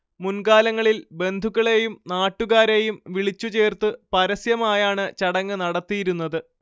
മുൻകാലങ്ങളിൽ ബന്ധുക്കളെയും നാട്ടുകാരെയും വിളിച്ചുചേർത്ത് പരസ്യമായാണ് ചടങ്ങ് നടത്തിയിരുന്നത്